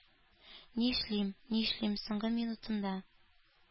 Нишлим, нишлим, соңгы минутымда